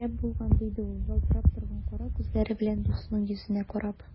Шундый шәп булган! - диде ул ялтырап торган кара күзләре белән дусының йөзенә карап.